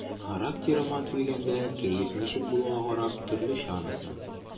Характерыма килгәндә, кәеф ничек булуга карап, төрлечә анысы.